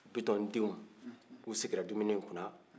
bitɔn denw u sigira dumini kunna